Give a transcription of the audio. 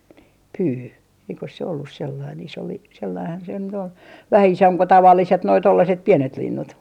niin pyy eikös se ollut sellainen iso - sellainenhan se nyt oli vähän isompi kuin tavalliset nuo tuollaiset pienet linnut